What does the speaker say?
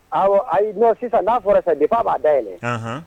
Awɔ, ayi , non sisan n'a fɔra sisan depuis a b'a dayɛlɛ., an han.